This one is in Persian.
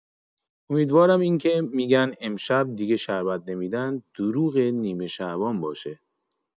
امیدوارم اینکه می‌گن امشب دیگه شربت نمی‌دن دروغ نیمه‌شعبان باشه.